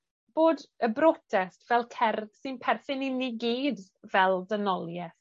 bod y brotest fel cerdd sy'n perthyn i ni gyd fel dynolieth.